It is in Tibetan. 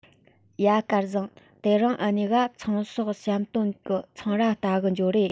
ཡ སྐལ བཟང དེ རིང འུ གཉིས ཀ ཚོང ཟོག བཤམས སྟོན གི ཚོང ར ལྟ གི འགྱོ རེས